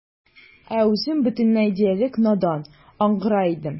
Ә үзем бөтенләй диярлек надан, аңгыра идем.